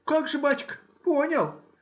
— Как же, бачка, понял